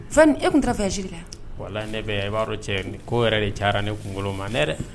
E tun tarawele fɛn jiri ne bɛ i b'a dɔn cɛ ko yɛrɛ de ca ne kunkolo ma ne yɛrɛ